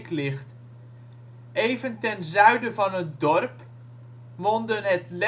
ligt. Even ten zuiden van het dorp monden het